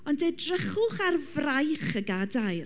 Ond edrychwch ar fraich y gadair.